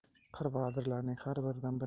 qir va adirlarning har biridan bir